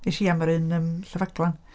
Es i am yr un yym Llanfaglan.